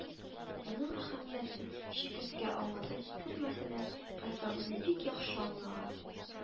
Моның әһәмиятен Чикерткә аңлатып бетермәсә дә, хәлфә үзе бик яхшы аңлаган